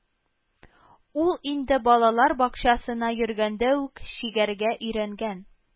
Ул инде балалар бакчасына йөргәндә үк чигәргә өйрәнгән